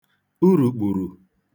urùkpùru